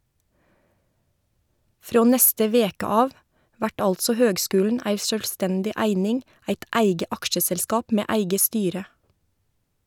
Frå neste veke av vert altså høgskulen ei sjølvstendig eining, eit eige aksjeselskap med eige styre.